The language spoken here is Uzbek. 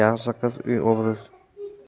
yaxshi qiz uy obro'si